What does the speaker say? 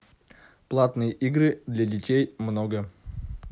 платные игры для детей много